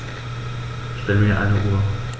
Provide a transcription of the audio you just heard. Stell mir eine Uhr.